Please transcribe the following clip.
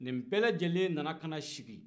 nin bɛɛ lajɛlen nana ka na sigi